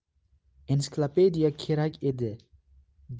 ensiklopediya kerak edi